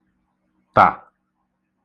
tà